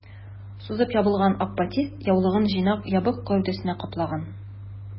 Сузып ябылган ак батист яулыгы җыйнак ябык гәүдәсен каплаган.